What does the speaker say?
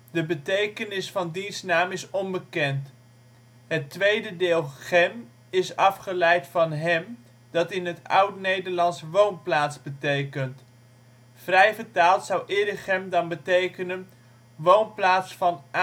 De betekenis van diens naam is onbekend. Het tweede deel ' chem ' is afgeleid van ' hem ', dat in het oud-Nederlands woonplaats betekent. Vrij vertaald zou Erichem dan betekenen: ' woonplaats van